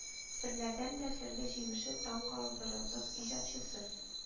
Серлеләрдән дә серле җимеше, таң калдырырлык иҗатчысы,